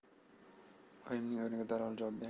oyimning o'rniga dallol javob berdi